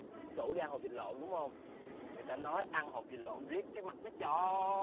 rủ đi ăn hột vịt lộn đúng không người ta nói ăn hột vịt lộn riết cái mặt nó tròn